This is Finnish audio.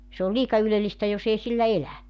se on liika ylellistä jos ei sillä elä